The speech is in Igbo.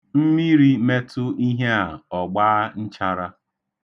Mmiri metu ihe a, ọ gbaa nchara.